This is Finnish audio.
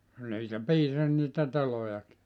niitä piisasi niitä telojakin